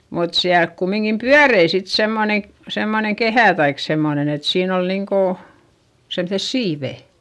mutta siellä kumminkin pyöri sitten semmoinen semmoinen kehä tai semmoinen että siinä oli niin kuin semmoiset siivet